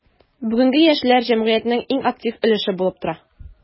Бүгенге яшьләр – җәмгыятьнең иң актив өлеше булып тора.